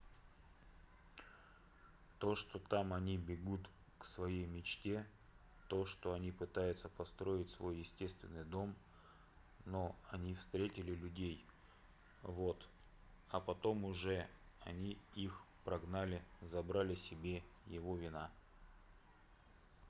то что там они бегут к своей мечте то что они пытаются построить свой естественный дом но они встретили людей вот а потом уже они их прогнали забрали себе его вина